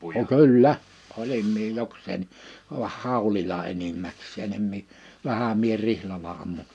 no kyllä olin minä jokseenkin vaan haulilla enimmäkseen en minä vähän minä rihlalla ammuin